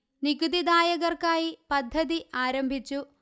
നികുതിദായകര്ക്കായി പദ്ധതി ആരംഭിച്ചു